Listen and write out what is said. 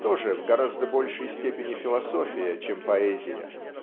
тоже в гораздо большей степени философия, чем поэзия.